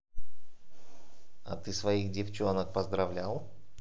а ты своих девчонок поздравлял